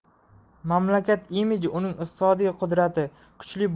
mamlakat imiji uning iqtisodiy qudrati kuchi